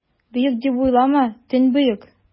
Боек, дип уйлама, төнбоек!